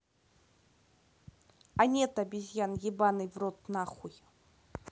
а нет обезьян ебаный в рот нахуй